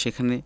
সেখানে